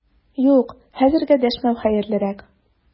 Юк, хәзергә дәшмәү хәерлерәк!